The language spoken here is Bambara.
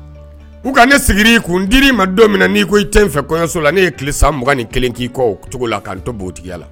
U ka ne i kun n dir ma don min n' ko i cɛ in fɛ kɔɲɔso la ne ye ki sanugan ni kelen ki kɔ cogo la ka to tigiya la